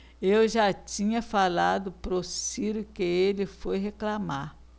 eu já tinha falado pro ciro que ele foi reclamar